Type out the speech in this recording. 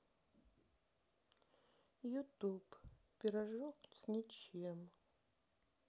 ютуб пирожок с ничем